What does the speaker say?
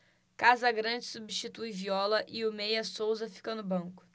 casagrande substitui viola e o meia souza fica no banco